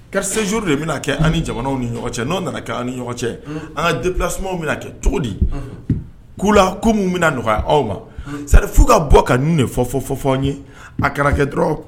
Karisajuru de kɛ jamanaw ni ɲɔgɔn cɛ nana cɛ an kala kɛ cogo di kula komi bɛna nɔgɔya aw ma sari fo ka bɔ ka de fɔ fɔ ye a kɛra dɔrɔn